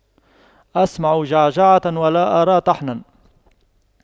أسمع جعجعة ولا أرى طحنا